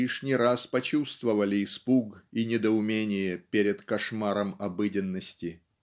лишний раз почувствовали испуг и недоумение перед кошмаром обыденности.